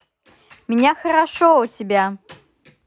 меня хорошо у тебя